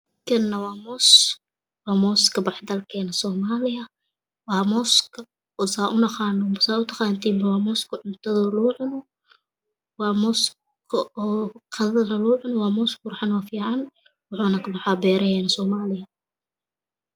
Kana waa moos waa moos ka baxa dalkeena soomaaliya waa mooska oo saan una qaano ama saa u taqaantiinba waa mooska cuntada lagu cuno waa mooska oo qadada lagu cuno waa moos qurxan oo fiican waxa uuna ka baxaa beeraheena soomaaliya